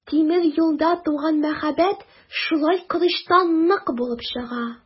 Тимер юлда туган мәхәббәт шулай корычтай нык булып чыга.